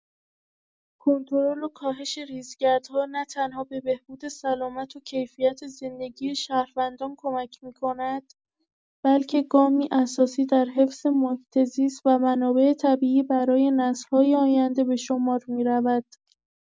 کنترل و کاهش ریزگردها نه‌تنها به بهبود سلامت و کیفیت زندگی شهروندان کمک می‌کند، بلکه گامی اساسی در حفظ محیط‌زیست و منابع طبیعی برای نسل‌های آینده به شمار می‌رود.